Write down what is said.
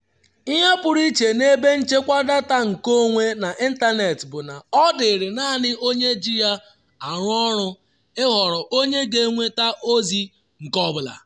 Ihe pụrụ iche na ebe nchekwa data nkeonwe n’ịntanetị bụ na ọ dịịrị naanị onye ji ya arụ ọrụ ịhọrọ onye ga-enweta ozi nke ọ bụla.